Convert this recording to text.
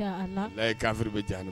Ja an na.walayi Kafiriw bi ja